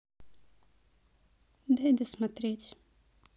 дай досмотреть